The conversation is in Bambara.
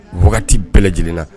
Wagati bɛɛ lajɛlenna